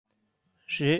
རེད